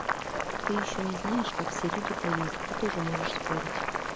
ты еще не знаешь как все люди поют ты тоже можешь спорить